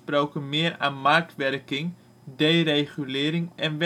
Kok wordt afgesproken meer aan marktwerking, deregulering en